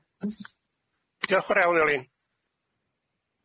Diolch yn fawr Elin.